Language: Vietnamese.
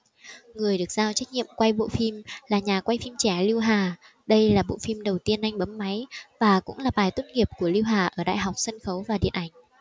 người được giao trách nhiệm quay bộ phim là nhà quay phim trẻ lưu hà đây là bộ phim đầu tiên anh bấm máy và cũng là bài tốt nghiệp của lưu hà ở đại học sân khấu và điện ảnh